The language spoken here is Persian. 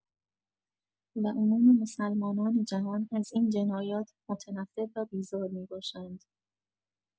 و عموم مسلمانان جهان از این جنایات متنفر و بیزار می‌باشند.